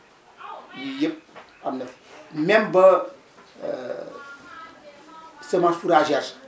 yii yëpp am na fi même ba semence fouragère